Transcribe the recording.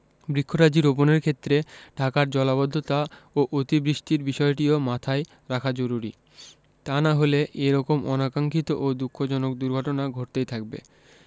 বৃক্ষরাজি রোপণের ক্ষেত্রে ঢাকার জলাবদ্ধতা ও অতি বৃষ্টির বিষয়টিও মাথায় রাখা জরুরী তা না হলে এ রকম অনাকাংক্ষিত ও দুঃখজনক দুর্ঘটনা ঘটতেই থাকবে